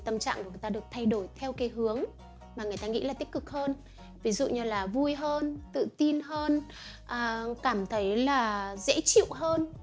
thì tâm trạng được thay đổi theo cái hướng mà người ta nghĩ là tích cực hơn ví dụ như là vui hơn tự tin hơn cảm thấy là dễ chịu hơn